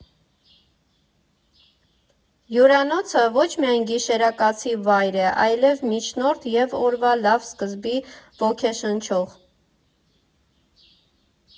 Հյուրանոցը ոչ միայն գիշերակացի վայր է, այլև միջնորդ և օրվա լավ սկզբի ոգեշնչող։